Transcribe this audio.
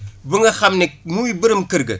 ba nga xam ne muy borom kµµër ga